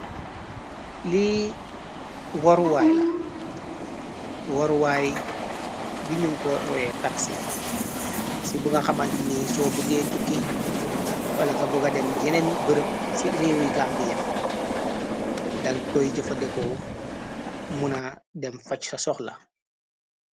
lii woruwaay la woruwaay bi ñunkoy oxyeh taxi si bu nga xamant ni soo bugee tukki wala nga bu ga dem yeneen bërëb ci réewyi gambi ya dan koy jëfandeko muna dem fac sa soxla.